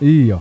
i